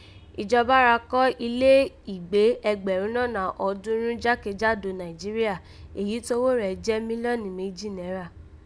Ìjọba ra kọ́ ilé ìgbé ẹgbẹ̀rún nọ̀nà ọ̀ọ́dúnrún jákèjádò Nàìjíríà èyí tóghó rẹ̀ jẹ́ mílíọ̀nù méjì náírà